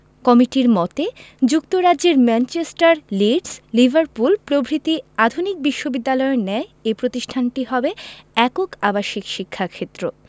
কমিটির মতে যুক্তরাজ্যের ম্যানচেস্টার লিডস লিভারপুল প্রভৃতি আধুনিক বিশ্ববিদ্যালয়ের ন্যায় এ প্রতিষ্ঠানটি হবে একক আবাসিক শিক্ষাক্ষেত্র